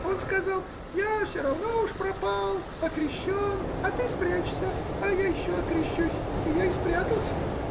Он сказал: Я все равно уже пропал — окрещен, а ты спрячься,— я еще окрещусь я и спрятался.